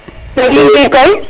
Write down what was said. nam nu mbi u koy